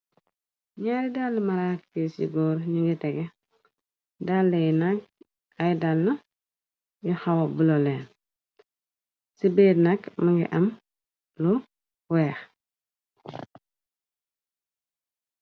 ñaari dall malaakfi ci góor ñi ngi tege dala nakk ay dall yu xawab buloleel ci beer nak mëngi am lu weex